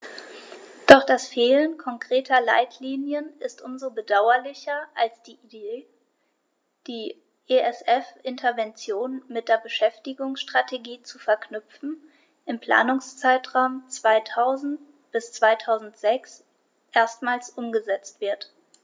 Doch das Fehlen konkreter Leitlinien ist um so bedauerlicher, als die Idee, die ESF-Interventionen mit der Beschäftigungsstrategie zu verknüpfen, im Planungszeitraum 2000-2006 erstmals umgesetzt wird.